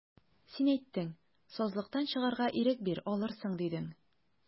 Син әйттең, сазлыктан чыгарга ирек бир, алырсың, дидең.